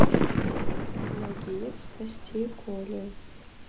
нагиев спасти колю